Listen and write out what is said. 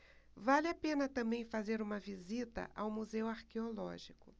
vale a pena também fazer uma visita ao museu arqueológico